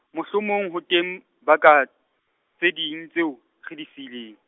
mohlomong ho teng, baka, tse ding tseo, re di siileng.